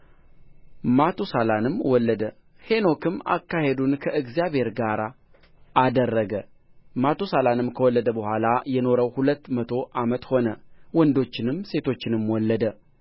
ማቱሳላንም ወለደ ሄኖክም አካሄዱን ከእግዚአብሔር ጋር አደረገ ማቱሳላንም ከወለደ በኋላ የኖረው ሁለት መቶ ዓመት ሆነ ወንዶችንም ሴቶችንም ወለደ